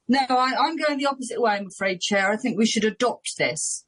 no, I I'm going the opposite way I'm afraid Chair, I think we should adopt this.